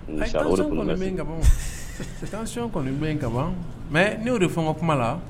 Bɛ kaban mɛ ne'o de fanga ka kuma la